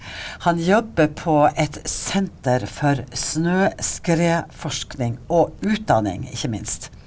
han jobber på et senter for snøskredforskning og utdanning ikke minst.